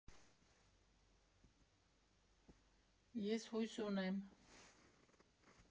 «Ես հույս ունեմ…